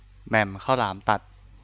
แหม่มข้าวหลามตัด